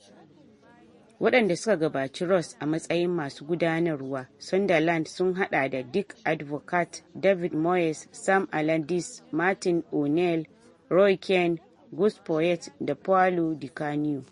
Wadanda suka gabaci Ross a matsayin masu gudarwa Sunderland sun hada da Dick Advocaat, David Moyes, Sam Allardyce, Martin O'Neill, Roy Keane, Gus Poyet da Paolo Di Canio.